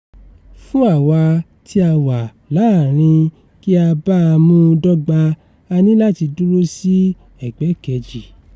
Fún àwa tí a wà láàárín, kí a ba mú un dọ́gba, a ní láti dúró sí ẹ̀gbẹ́ kejì.